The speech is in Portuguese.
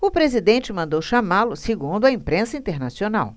o presidente mandou chamá-lo segundo a imprensa internacional